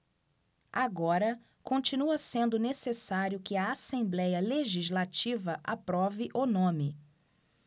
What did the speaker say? agora continua sendo necessário que a assembléia legislativa aprove o nome